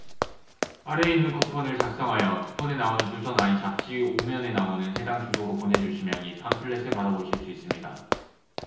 아래에 있는 쿠폰을 작성하여 쿠폰에 나오는 주소나 이 잡지 오 면에 나오는 해당 주소로 보내시면 이 팜플렛을 받아 보실 수 있습니다